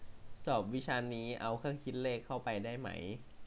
สอบวิชานี้เอาเครื่องคิดเลขเข้าไปได้ไหม